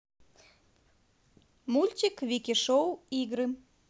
мультик вики шоу игры